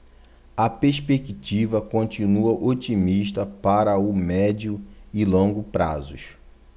a perspectiva continua otimista para o médio e longo prazos